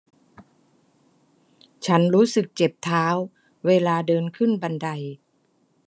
ฉันรู้สึกเจ็บเท้าเวลาเดินขึ้นบันได